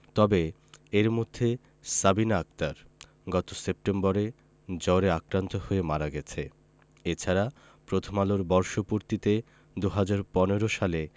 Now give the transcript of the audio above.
তবে এর মধ্যে সাবিনা আক্তার গত সেপ্টেম্বরে জ্বরে আক্রান্ত হয়ে মারা গেছে এ ছাড়া প্রথম আলোর বর্ষপূর্তিতে ২০১৫ সালে